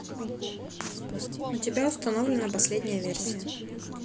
у тебя установлена последняя версия